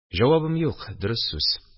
Җавабым юк, дөрес сүз